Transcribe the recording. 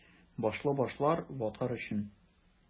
Башлы башлар — ватар өчен!